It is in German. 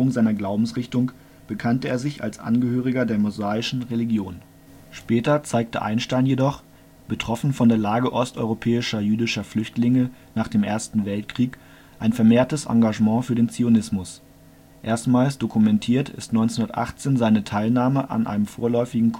seiner Glaubensrichtung bekannte er sich als Angehöriger der mosaischen Religion. Später zeigte Einstein jedoch betroffen von der Lage osteuropäischer jüdischer Flüchtlinge nach dem ersten Weltkrieg ein vermehrtes Engagement für den Zionismus. Erstmals dokumentiert ist 1918 seine Teilnahme an einem vorläufigen Komitee